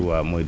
waaw mooy